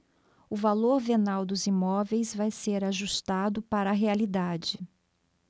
o valor venal dos imóveis vai ser ajustado para a realidade